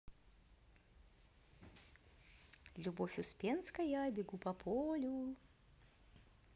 любовь успенская бегу по полю